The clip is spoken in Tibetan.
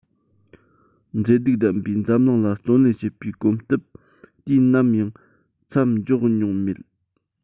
མཛེས སྡུག ལྡན པའི འཛམ གླིང ལ བརྩོན ལེན བྱེད པའི གོམ སྟབས དུས ནམ ཡང མཚམས འཇོག མྱོང མེད